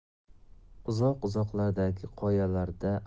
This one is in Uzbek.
uzoq uzoqlardagi qoyalarda